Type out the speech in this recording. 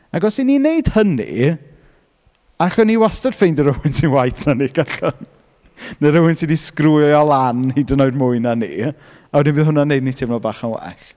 Ac os 'y ni'n wneud hynny, allwn ni wastod ffeindio rhywun sy'n waeth na ni, gallwn? Neu rywun sydd 'di sgriwio lan hyd yn oed mwy na ni, a wedyn bydd hwnna'n wneud ni teimlo bach yn well.